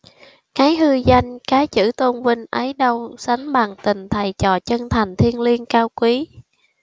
cái hư danh cái chữ tôn vinh ấy đâu sánh bằng tình thầy trò chân thành thiêng liêng cao quý